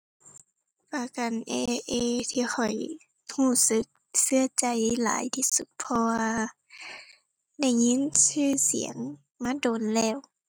ประกัน AIA ที่ข้อยรู้สึกรู้ใจหลายที่สุด เพราะว่าได้ยินชื่อเสียงมาโดนแล้ว